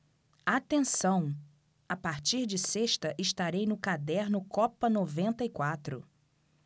atenção a partir de sexta estarei no caderno copa noventa e quatro